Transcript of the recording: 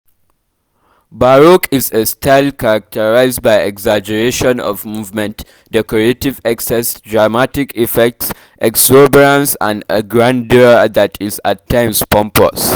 “Baroque is a style characterized by exaggeration of movement, decorative excess, dramatic effects, exuberance and a grandeur that is at times pompous.”